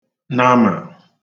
namà